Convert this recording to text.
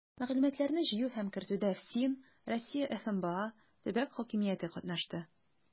Мәгълүматларны җыю һәм кертүдә ФСИН, Россия ФМБА, төбәк хакимияте катнашты.